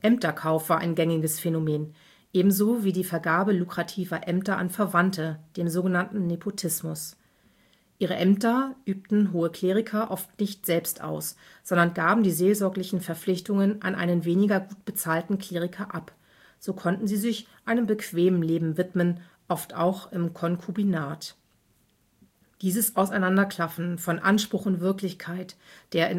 Ämterkauf war ein gängiges Phänomen, ebenso wie die Vergabe lukrativer Ämter an Verwandte (Nepotismus). Ihre Ämter übten hohe Kleriker oft nicht selbst aus, sondern gaben die seelsorgerlichen Verpflichtungen an einen weniger gut bezahlten Kleriker ab. So konnten sie sich einem bequemen Leben widmen, oft auch im Konkubinat. Dieses Auseinanderklaffen von Anspruch und Wirklichkeit der